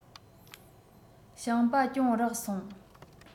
ཞིང པ གྱོང རག སོང